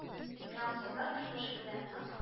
Французлар тормышы белән нык